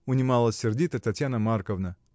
— унимала сердито Татьяна Марковна.